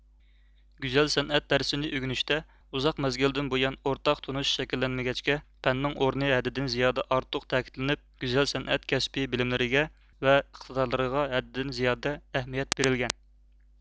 گۈزەل سەنئەت دەرسنى ئۆگىنىشتە ئۇزاق مەزگىلدىن بۇيان ئورتاق تونۇش شەكىللەنمىگەچكە پەننىڭ ئورنى ھەددىدىن زىيادە ئارتۇق تەكىتلىنىپ گۈزەل سەنئەت كەسپىي بىلىملىرىگە ۋە ئىقتىدارلىرىغا ھەددىدىن زىيادە ئەھمىيەت بېرىلگەن